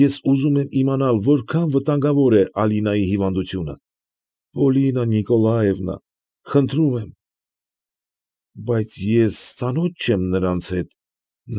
Ես ուզում եմ իմանալ որքան վտանգավոր է Ալինայի հիվանդությունը, Պոլինա Նիկոլաևնա, խնդրում եմ։ ֊ Բայց ես ծանոթ չեմ նրանց հետ։